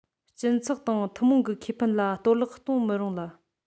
སྤྱི ཚོགས དང ཐུན མོང གི ཁེ ཕན ལ གཏོར བརླག གཏོང མི རུང ལ